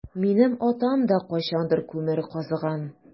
Минем атам да кайчандыр күмер казыган.